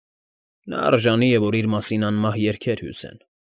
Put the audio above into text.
Նա արժանի է, որ իր մասին անմահ երգեր հյուսեն։